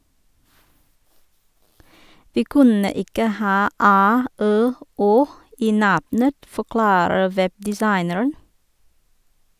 - Vi kunne ikke ha æ, ø, å i navnet, forklarer webdesigneren.